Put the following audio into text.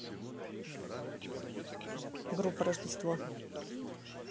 группа рождество